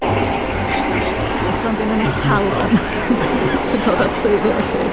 ond yr yr stondyn...Y stondyn yn eich calon sy'n dod â swydd efo chi.